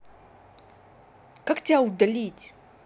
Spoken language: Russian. как тебя удалить